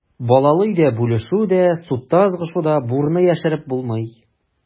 Балалы өйдә бүлешү дә, судта ызгышу да, бурны яшереп булмый.